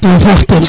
ka faax ten